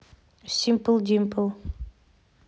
симпл димпл